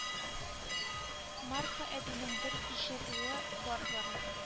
Марпа әбинен бер җыруы бар барын